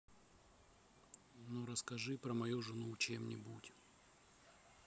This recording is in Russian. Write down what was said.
ну расскажи про мою жену чем нибудь